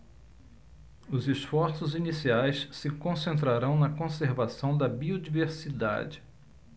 os esforços iniciais se concentrarão na conservação da biodiversidade